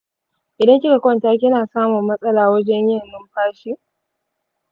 idan kika kwanta kina samun matsala wajen yin numfashi?